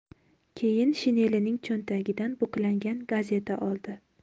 keyin shinelining cho'ntagidan buklangan gazeta oldi